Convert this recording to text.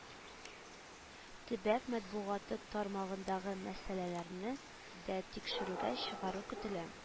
Төбәк матбугаты тармагындагы мәсьәләләрне дә тикшерүгә чыгару көтелә